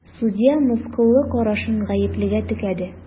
Судья мыскыллы карашын гаеплегә текәде.